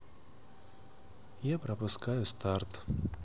я пропускаю старт